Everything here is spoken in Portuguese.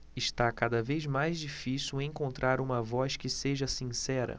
está cada vez mais difícil encontrar uma voz que seja sincera